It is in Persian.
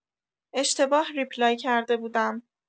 اشتباه ریپلای کرده بودم